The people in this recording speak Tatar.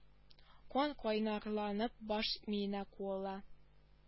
Кан кайнарланып баш миенә куыла